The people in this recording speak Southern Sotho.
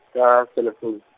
ka, selefounu.